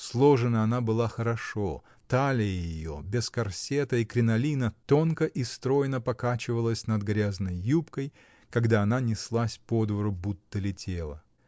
Сложена она была хорошо: талия ее, без корсета и кринолина, тонко и стройно покачивалась над грязной юбкой, когда она неслась по двору, будто летела.